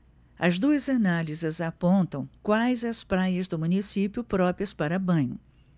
as duas análises apontam quais as praias do município próprias para banho